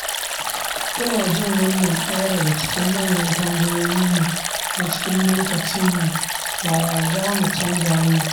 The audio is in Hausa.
Ina jin wannan ɗaya daga cikin manyan tambayoyi ne na cikin lokacinmu - yaya za mu canja wannan?